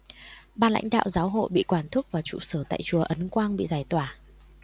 ban lãnh đạo giáo hội bị quản thúc và trụ sở tại chùa ấn quang bị giải tỏa